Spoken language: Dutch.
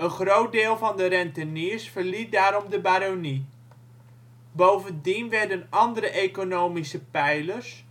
groot deel van de renteniers verliet daarom de baronie. Bovendien werden andere economische pijlers